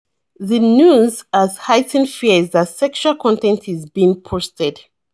The news has heightened fears that sexual content is being posted.